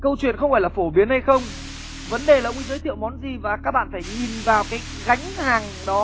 câu chuyện không phải là phổ biến hay không vấn đề là ông ấy giới thiệu món gì và các bạn phải nhìn vào cái gánh hàng đó